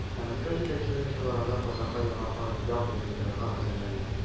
Ә Мәскәү җитәкчелеге шул арада Казанга яңа яу оештырырга әзерләнә.